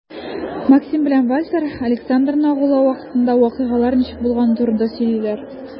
Максим һәм Вальтер Александрны агулау вакытында вакыйгалар ничек булганы турында сөйлиләр.